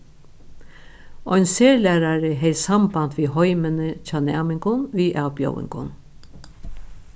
ein serlærari hevði samband við heimini hjá næmingum við avbjóðingum